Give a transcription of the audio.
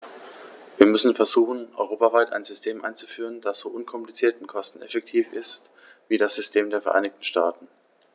Wir müssen versuchen, europaweit ein System einzuführen, das so unkompliziert und kosteneffektiv ist wie das System der Vereinigten Staaten.